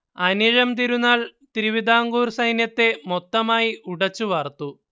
അനിഴം തിരുനാൾ തിരുവിതാംകൂർ സൈന്യത്തെ മൊത്തമായി ഉടച്ചു വാർത്തു